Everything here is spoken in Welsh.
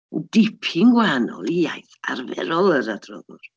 Dipyn gwahanol i iaith arferol yr adroddwr.